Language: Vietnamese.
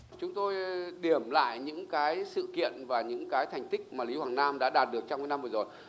chúng tôi điểm lại những cái sự kiện và những cái thành tích mà lý hoàng nam đã đạt được trong những năm vừa rồi